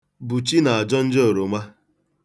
Bụchi na-ajọ njọ oroma.